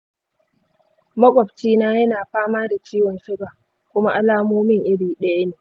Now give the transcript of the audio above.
maƙwabcina ya na fama da ciwon suga kuma alamomin iri ɗaya ne.